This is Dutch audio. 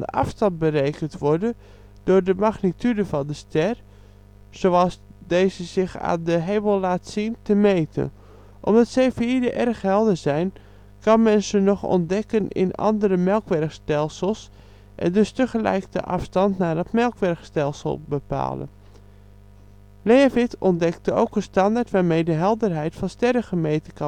afstand berekend worden door de magnitude van de ster, zoals deze zich aan de hemel laat zien, te meten. Omdat Cepheïden erg helder zijn, kan men ze nog ontdekken in andere melkwegstelsels en dus tegelijk de afstand naar dat melkwegstelsel bepalen. Leavitt ontwikkelde ook een standaard waarmee de helderheid van sterren gemeten